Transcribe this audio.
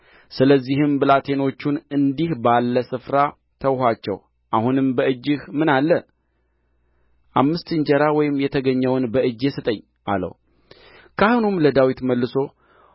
ስለዚህም ብላቴኖቹን እንዲህ ባለ ስፍራ ተውኋቸው አሁንስ በእጅህ ምን አለ አምስት እንጀራ ወይም የተገኘውን በእጄ ስጠኝ አለው ካህኑም ለዳዊት መልሶ